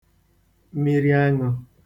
mmiriaṅụ̄